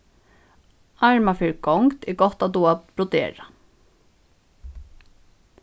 áðrenn man fer í gongd er gott at duga at brodera